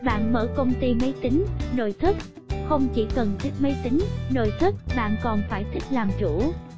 bạn mở công ty máy tính nội thất không chỉ cần thích máy tính nội thất bạn phải thích làm chủ